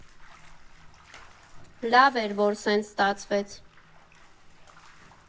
Լավ էր, որ սենց ստացվեց։